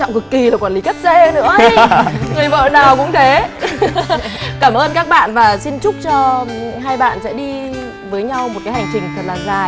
trọng cực kỳ là quản lý cát xê nữa ý người vợ nào cũng thế cảm ơn các bạn và xin chúc cho hai bạn sẽ đi với nhau một cái hành trình thật là dài